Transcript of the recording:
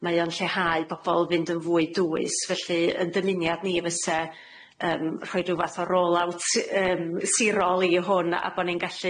Mae o'n lleihau bobol fynd yn fwy dwys, felly 'yn dymuniad ni fyse yym rhoi ryw fath o roll out s- yym sirol i hwn a bo' ni'n gallu